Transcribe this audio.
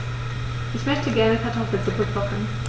Ich möchte gerne Kartoffelsuppe kochen.